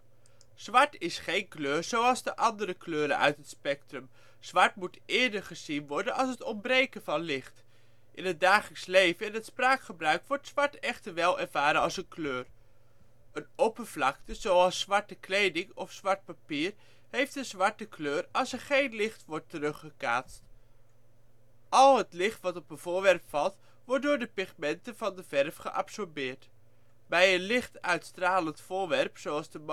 Zwart is geen kleur zoals de andere kleuren uit het spectrum. Zwart moet eerder gezien worden als het ontbreken van licht. In het dagelijks leven en spraakgebruik wordt zwart echter wel ervaren als een kleur. Een oppervlakte, zoals zwarte kleding of zwart papier, heeft een zwarte kleur, als er geen licht wordt teruggekaatst. Al het licht wat op het voorwerp valt wordt door de pigmenten van de verf geabsorbeerd. Bij een licht uitstralend voorwerp, zoals de